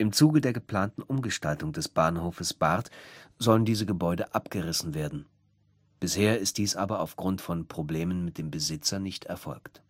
Zuge der geplanten Umgestaltung des Bahnhofes Barth sollen diese Gebäude abgerissen werden. Bisher ist dies aber aufgrund von Problemen mit dem Besitzer nicht erfolgt